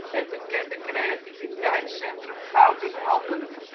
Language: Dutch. het bekende creativiteitscentrum Gouden Handen